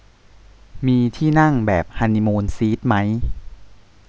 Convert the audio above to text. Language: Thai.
มีที่นั่งแบบฮันนี่มูนซีทมั้ย